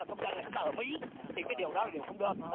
công nhận là chúng ta ở mỹ thì cái điều đó là điều không được